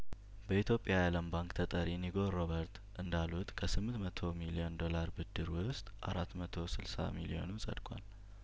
በኢትዮጵያ የአለም ባንክ ተጠሪ ኒጐል ሮበርት እንዳሉት ከስምንት መቶ ሚሊዮን ዶላር ብድር ውስጥ አራት መቶ ስልሳ ሚሊዮኑ ጸድቋል